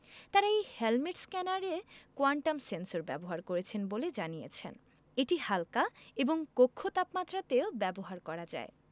তারা এই হেলমেট স্ক্যানারে কোয়ান্টাম সেন্সর ব্যবহার করেছেন বলে জানিয়েছেন এটি হাল্কা এবং কক্ষ তাপমাত্রাতেও ব্যবহার করা যায়